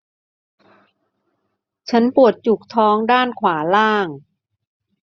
ฉันปวดจุกท้องด้านขวาล่าง